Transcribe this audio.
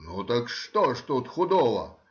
— Ну так что же тут худого?